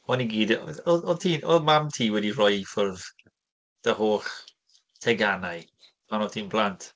O'n ni gyd o- oedd oedd ti oedd Mam ti wedi rhoi i ffwrdd dy holl tegannau pan oedd ti'n blant?